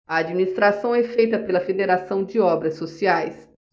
a administração é feita pela fos federação de obras sociais